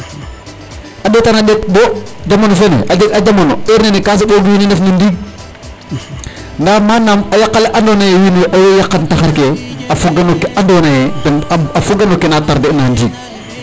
A ɗeetan a ɗeet bo jamano fene, a jeg'a jamano heure nene ka soɓoogu wiin we ndef no ndiig ndaa manam a yaq ale andoona yee wiin we owey yaqan taxar ke a foga no ke andoona yee den a foga no ke na tardena ndiig.